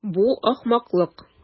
Бу ахмаклык.